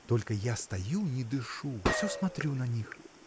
Только я стою, не дышу, всё смотрю на них.